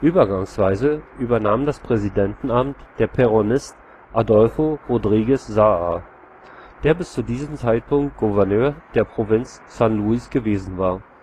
Übergangsweise übernahm das Präsidentenamt der Peronist Adolfo Rodríguez Saá, der bis zu diesem Zeitpunkt Gouverneur der Provinz San Luis gewesen war